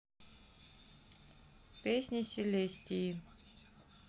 песни селестии